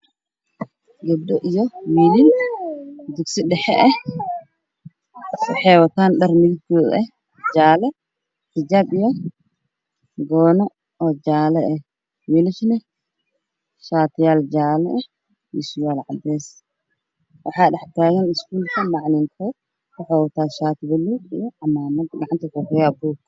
Gabdho iyo wiilal dugsi dhexe waxay wataan dhar midabkooda eh jaale xijaab iyo goono oo jaale eh wiilashana shaatiyaal jaale ah iyo surwaal cadees waxaa dhex taagan macalin wuxu wataa. buug